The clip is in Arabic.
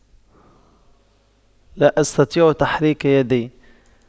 لا أستطيع تحريك يدي